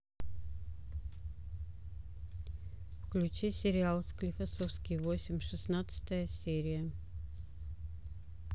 включи сериал склифосовский восемь шестнадцатая серия